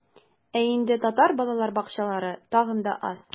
Ә инде татар балалар бакчалары тагын да аз.